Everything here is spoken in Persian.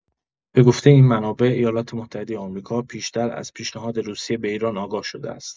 به گفته این منابع، ایالات‌متحده آمریکا پیشتر از پیشنهاد روسیه به ایران آگاه شده است.